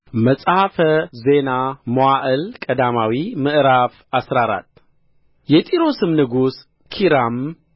መጽሐፈ ዜና መዋዕል ቀዳማዊ ምዕራፍ አስራ አራት የጢሮስም ንጉሥ ኪራም